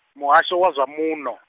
muhasho wa zwa muṋo.